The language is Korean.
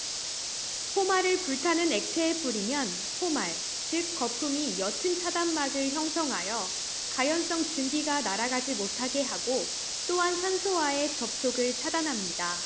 포말을 불타는 액체에 뿌리면 포말 즉 거품이 엷은 차단막을 형성하여 가연성 증기가 날아가지 못하게 하고 또한 산소와의 접촉을 차단합니다